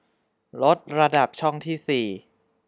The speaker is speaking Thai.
ลดระดับช่องที่สี่